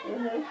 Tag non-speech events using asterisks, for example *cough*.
*hesitation* *hesitation*